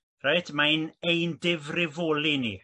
reit mae'n ein difrifoli ni